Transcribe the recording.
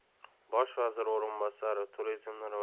bosh vazir o'rinbosari turizmni